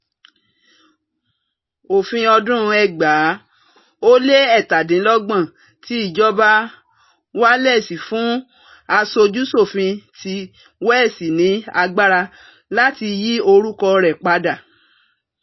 Òfin ọdún 2017 ti Ìjọba Wales fún Aṣojú-ṣòfin ti Welsh ni agbára láti yi orúkọ rẹ padà.